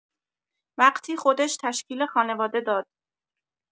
وقتی خودش تشکیل خانواده داد.